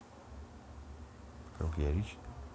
круг яричин